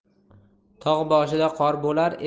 tog' boshida qor bo'lar